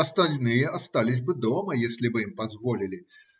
Остальные остались бы дома, если бы им позволили.